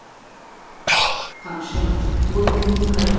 qamishlar go'yo mening qayg'u